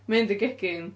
Mynd i gegin...